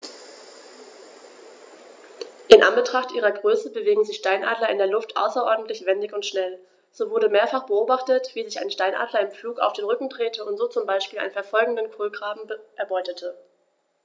In Anbetracht ihrer Größe bewegen sich Steinadler in der Luft außerordentlich wendig und schnell, so wurde mehrfach beobachtet, wie sich ein Steinadler im Flug auf den Rücken drehte und so zum Beispiel einen verfolgenden Kolkraben erbeutete.